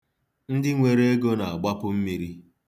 Ndị nwere ego na-agbapu mmiri.